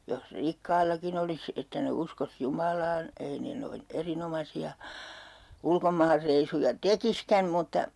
jos rikkaillakin olisi että ne uskoisi Jumalaan ei ne noin erinomaisia ulkomaanreissuja tekisikään mutta